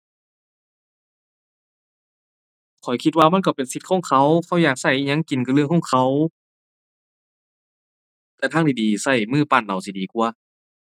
ข้อยคิดว่ามันก็เป็นสิทธิ์ของเขา เขาอยากก็อิหยังกินก็เรื่องของเขา แต่ทางที่ดีก็มือปั้นเอาสิดีกว่า